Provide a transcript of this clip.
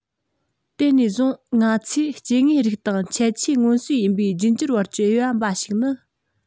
དེ ནས བཟུང ང ཚོས སྐྱེ དངོས རིགས དང ཁྱད ཆོས མངོན གསལ ཡིན པའི རྒྱུད འགྱུར བར གྱི དབྱེ བ འབའ ཞིག ནི